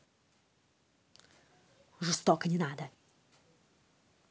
жестоко не надо